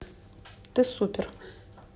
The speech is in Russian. ты супер